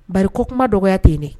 Bari ko kuma dɔgɔ tɛ yen dɛ